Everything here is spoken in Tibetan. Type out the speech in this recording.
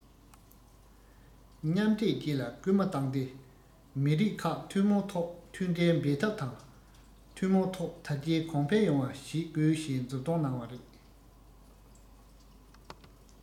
མཉམ འདྲེས བཅས ལ སྐུལ མ བཏང སྟེ མི རིགས ཁག ཐུན མོང ཐོག མཐུན སྒྲིལ འབད འཐབ དང ཐུན མོང ཐོག དར རྒྱས གོང འཕེལ ཡོང བ བྱེད དགོས ཞེས མཛུབ སྟོན གནང བ རེད